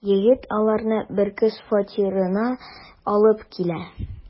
Егет аларны бер кыз фатирына алып килә.